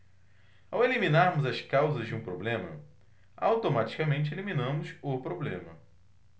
ao eliminarmos as causas de um problema automaticamente eliminamos o problema